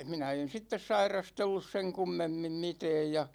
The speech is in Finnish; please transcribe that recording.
minä en sitten sairastellut sen kummemmin mitään ja